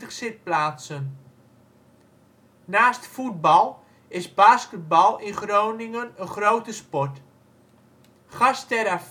zitplaatsen. Naast voetbal is basketbal in Groningen een grote sport. GasTerra